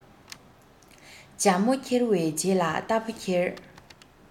བྱ མོ ཁྱེར བའི རྗེས ལ རྟ ཕོ འཁྱེར